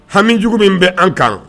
Hamijugu min bɛ an kan